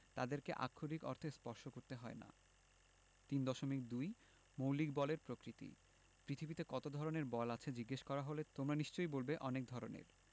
তাদেরকে আক্ষরিক অর্থে স্পর্শ করতে হয় না ৩.২ মৌলিক বলের প্রকৃতিঃ পৃথিবীতে কত ধরনের বল আছে জিজ্ঞেস করা হলে তোমরা নিশ্চয়ই বলবে অনেক ধরনের